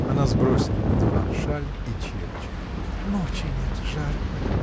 Она сбросила на диван шаль и чепчик. — Мочи нет — жарко!